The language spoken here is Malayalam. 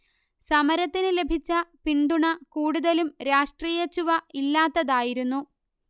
സമരത്തിന് ലഭിച്ച പിന്തുണ കൂടുതലും രാഷ്ട്രീയച്ചുവ ഇല്ലാത്തതായിരുന്നു